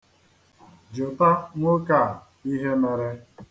Jụta nwoke a ihe mere.